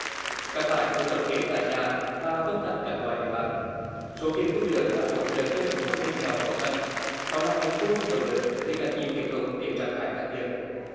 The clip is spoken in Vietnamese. các thải được tập kết tại nhà và phân thành các loại để bán số tiền thu được đã hỗ trợ cho những hội viên nghèo khó khăn đó là niềm vui động lực để các chị tiếp tục biến rác thải thành tiền